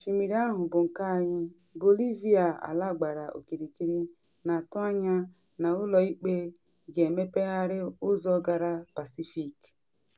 “Osimiri ahụ bụ nke anyị’: Bolivia ala gbara okirikiri na atụ anya na ụlọ ikpe ga-emepegharị ụzọ gara Pasifik